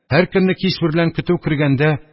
Һәр көнне кич берлән көтү кергәндә